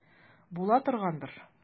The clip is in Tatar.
Була торгандыр.